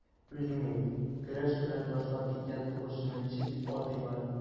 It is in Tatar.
Үзең әйт, көрәш кырын ташлап киткән сугышчыны ничек дип атыйлар?